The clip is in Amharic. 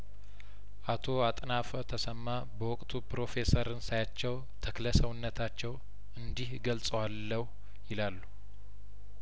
አቶ አጥናፈ ተሰማ በወቅቱ ፕሮፌሰርን ሳያቸው ተክለሰውነታቸው እንዲህ እገልጸዋለሁ ይላሉ